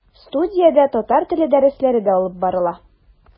Студиядә татар теле дәресләре дә алып барыла.